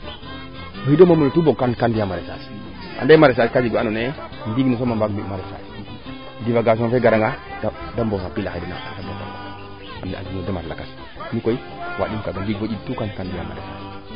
o xiino muumole tout daal ka i mbiyan maraissage ande maraissage kee jeg waa ando naye ndiing ne soom a mbaagu mbi maraissage derogation fee gara nga de mboos xa piila xe den de mbaand lakas mi koy waɗiim kaaga njiɗ fo ndiing fop kam fiya maraissage